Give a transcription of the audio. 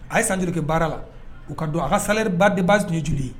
A ye san joli kɛ baara la o ka dɔn. A ka salaire de base kun ye joli ye?